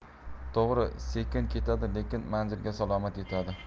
to'g'ri sekin ketadi lekin manzilga salomat yetadi